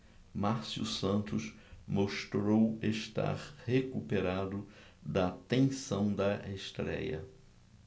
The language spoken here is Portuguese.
márcio santos mostrou estar recuperado da tensão da estréia